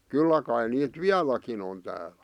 kyllä kai niitä vieläkin on täällä